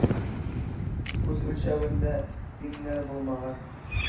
Үз үлчәвендә тиңнәр булмаган.